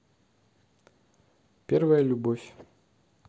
первая любовь